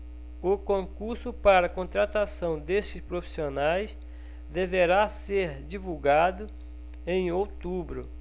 o concurso para contratação desses profissionais deverá ser divulgado em outubro